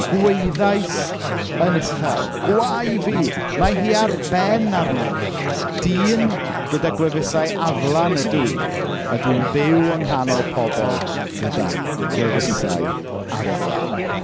Gwaeddais yn uchel. Gwae fi, mae hi ar ben arna i. Dyn gyda gwefusau aflan ydw i, a dwi'n byw ynghanol pobl gyda gwefusau aflan.